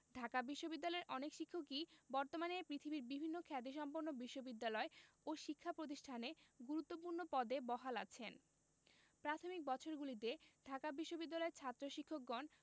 ঢাকা বিশ্ববিদ্যালয়ের অনেক শিক্ষকই বর্তমানে পৃথিবীর বিভিন্ন খ্যাতিসম্পন্ন বিশ্ববিদ্যালয় ও শিক্ষা প্রতিষ্ঠানে গুরুত্বপূর্ণ পদে বহাল আছেন প্রাথমিক বছরগুলিতে ঢাকা বিশ্ববিদ্যালয়ের ছাত্র শিক্ষকগণ